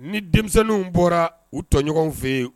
Ni denmisɛnninw bɔra u tɔɲɔgɔnw fɛ yen